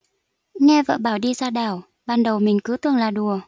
nghe vợ bảo đi ra đảo ban đầu mình cứ tưởng là đùa